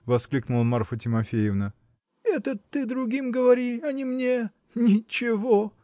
-- воскликнула Марфа Тимофеевна, -- это ты другим говори, а не мне! Ничего!